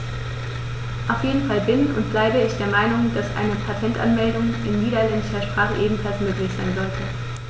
Auf jeden Fall bin - und bleibe - ich der Meinung, dass eine Patentanmeldung in niederländischer Sprache ebenfalls möglich sein sollte.